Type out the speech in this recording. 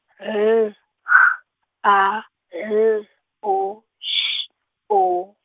L H A L O S O.